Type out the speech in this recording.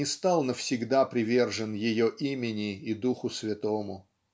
не стал навсегда привержен ее имени и духу святому.